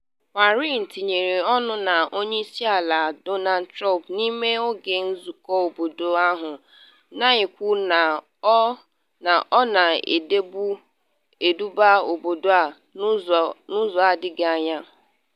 Warren tinyere ọnụ na Onye Isi Ala Donald Trump n’ime oge nzụkọ obodo ahụ, na-ekwu na ọ “na-eduba obodo a n’ụzọ adịghị mma.